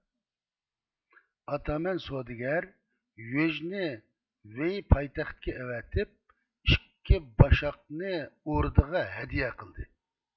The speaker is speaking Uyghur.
ئاتامان سودىگەر يۆجنى ۋېي پايتەختىگە ئەۋەتىپ ئىككى باشاقنى ئوردىغا ھەدىيە قىلدى